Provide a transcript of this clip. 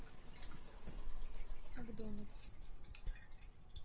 макдональдс